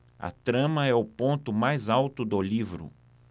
a trama é o ponto mais alto do livro